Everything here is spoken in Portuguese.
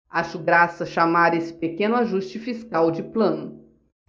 acho graça chamar esse pequeno ajuste fiscal de plano